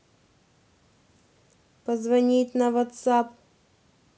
позвонить на ватсап